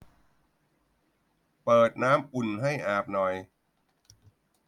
เปิดน้ำอุ่นให้อาบหน่อย